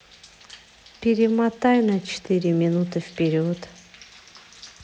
перемотай на четыре минуты вперед